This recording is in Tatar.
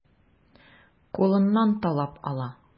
Кулыннан талап ала.